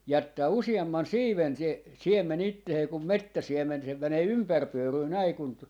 jättää useamman siiven se siemen itseensä kun metsäsiemen se menee ympäripyöryä näin kun